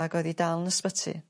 Ag oedd 'i dal yn ysbyty